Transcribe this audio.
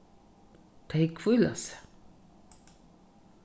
tey hvíla seg